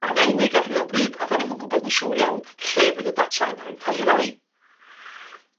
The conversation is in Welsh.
anelwig ar hyn o bryd, a 'dan ni'm yn gwbod yn siŵr iawn lle fydd y data yna yn ca'l 'i roi.